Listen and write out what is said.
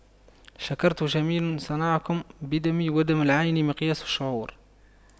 شكرت جميل صنعكم بدمعي ودمع العين مقياس الشعور